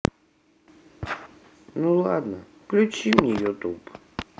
ну ладно включи мне youtube